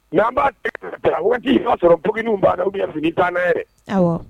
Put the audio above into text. Nka an b'a waat i b'a sɔrɔn, pokiniw b'an na wali fini t'a na yɛrɛ!